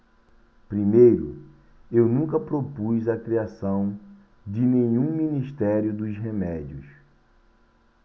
primeiro eu nunca propus a criação de nenhum ministério dos remédios